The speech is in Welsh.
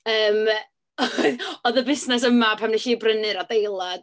Yym oedd y busnes yma pan wnes i brynu'r adeilad.